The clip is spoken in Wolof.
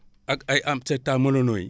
ak ay amsectamonono yi